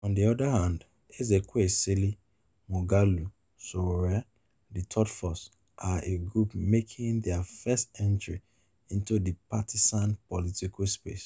On the other hand, Ezekwesili, Moghalu, Sowore, the "third force", are a group making their first entry into the partisan political space.